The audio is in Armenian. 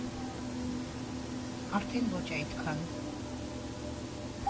Արդեն ոչ այդքան։